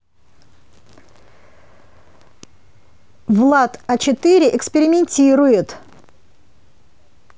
влад а четыре экспериментирует